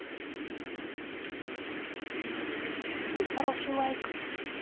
ты хороший лайк